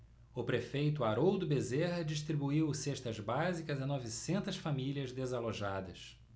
o prefeito haroldo bezerra distribuiu cestas básicas a novecentas famílias desalojadas